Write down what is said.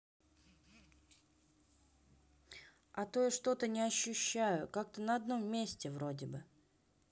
а то я что то не ощущаю как то на одном месте вроде бы